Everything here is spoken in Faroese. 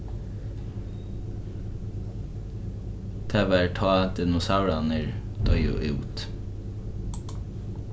tað var tá dinosaurarnir doyðu út